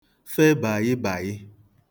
fe bàyịbàyị